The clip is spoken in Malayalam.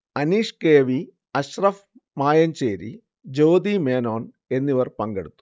അനീഷ് കെ. വി, അശറഫ് മായഞ്ചേരി, ജ്യോതി മേനോൻ എന്നിവർ പങ്കെടുത്തു